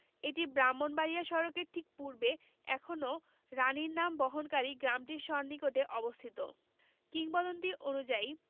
এটি ব্রাহ্মণবাড়িয়া সড়কের ঠিক পূর্বে এখনও রানীর নাম বহনকারী গ্রামটির সন্নিকটে অবস্থিত কিংবদন্তী অনুযায়ী